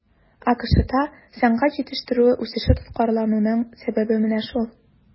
АКШта сәнәгать җитештерүе үсеше тоткарлануның сәбәбе менә шул.